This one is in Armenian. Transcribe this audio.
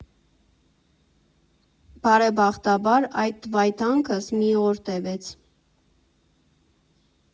Բարեբախտաբար, այդ տվայտանքս միայն մի օր տևեց։